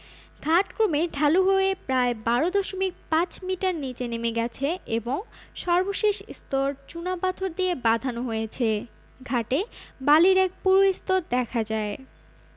ঘাট ক্রমে ঢালু হয়ে প্রায় ১২ দশমিক ৫ মিটার নিচে নেমে গেছে এবং সর্বশেষ স্তর চুনাপাথর দিয়ে বাঁধানো হয়েছে ঘাটে বালির এক পুরু স্তর দেখা যায়